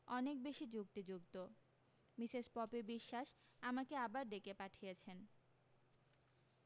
অনেক বেশী যুক্তিযুক্ত মিসেস পপি বিশ্বাস আমাকে আবার ডেকে পাঠিয়েছেন